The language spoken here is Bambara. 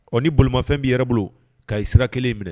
Ɔ ni bolimafɛn b'i yɛrɛ bolo, Kayi sira kelen in minɛ